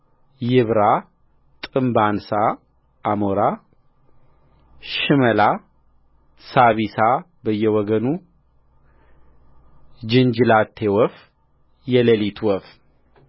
ይብራ ጥምብ አንሣ አሞራ ሽመላ ሳቢሳ በየወገኑ ጅንጁላቴ ወፍ የሌሊት ወፍ